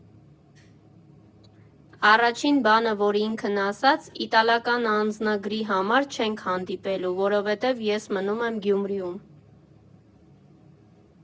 Առաջին բանը, որ ինքն ասաց՝ իտալական անձնագրի համար չենք հանդիպելու, «որովհետև ես մնում եմ Գյումրիում»։